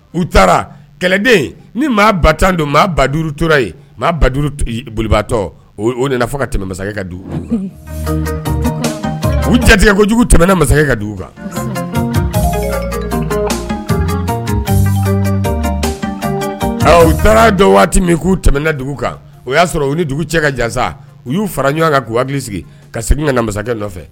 U taara kɛlɛden ni maa ba tan don maa badu tora yen bolibatɔa fɔ ka tɛmɛ masakɛ ka u jatigitigɛ kojugu tɛm masakɛ ka dugu kan u taara dɔn waati min k'u tɛm dugu kan o y'a sɔrɔ u ni dugu cɛ ka jan u y'u fara ɲɔgɔn kan k'ubili sigi ka segin ka masakɛ nɔfɛ